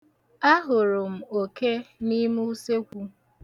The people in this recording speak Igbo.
Ahụrụ m oke n'ime usekwu.